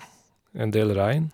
En del regn.